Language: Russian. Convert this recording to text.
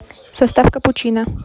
состав капучино